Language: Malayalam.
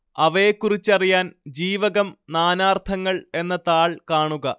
അവയെക്കുറിച്ചറിയാൻ ജീവകം നാനാർത്ഥങ്ങൾ എന്ന താൾ കാണുക